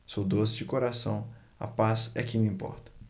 sou doce de coração a paz é que me importa